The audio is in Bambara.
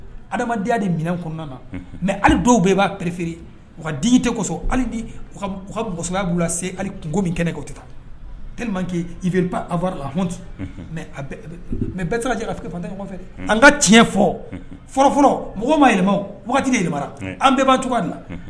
Adamadenya de minɛn kɔnɔna mɛ ali dɔw bɛ b'a pfiereri den tɛ kosɔ ka musoya b'u la se ali kunko min kɛnɛ'o tɛ kefe anfari la hɔn mɛ bɛɛ jarafetan ɲɔgɔn fɛ an ka tiɲɛ fɔ fɔlɔfɔlɔ mɔgɔ ma yɛlɛma waati wagati yɛlɛma an bɛɛba cogoya dilan